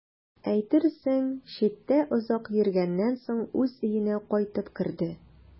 Әйтерсең, читтә озак йөргәннән соң үз өенә кайтып керде.